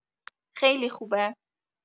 خیلی خوبه